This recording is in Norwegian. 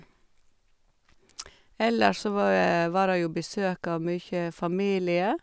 Ellers så va var det jo besøk av mye familie.